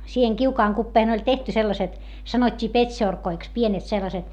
siihen kiukaan kupeeseen oli tehty sellaiset sanottiin petsorkoiksi pienet sellaiset